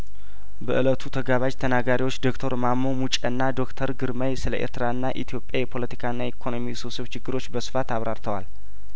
በእለቱ ተጋባዥ ተናጋሪዎች ዶክተር ማሞ ሙጬና ዶክተር ግርማይ ስለኤርትራና ኢትዮጵያ የፖለቲካና የኢኮኖሚ ውስብስብ ችግሮች በስፋት አብራርተዋል